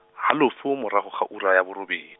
halofo morago ga ura ya borobe.